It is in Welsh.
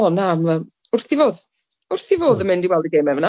O na ma'n wrth 'i fodd! Wrth 'i fodd yn mynd i weld y geme'n fan'na.